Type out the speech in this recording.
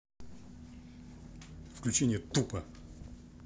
включение тупо